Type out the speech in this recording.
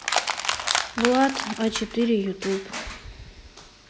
влад а четыре ютуб